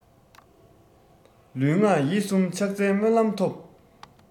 ལུས ངག ཡིད གསུམ ཕྱག འཚལ སྨོན ལམ ཐོབ